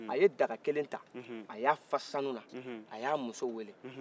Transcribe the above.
a ye daga kelen ta a y'a fa sanun na a y'a muso wele